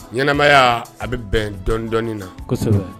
Ɲɛnaɛnɛmaya a bɛ bɛn dɔndɔ na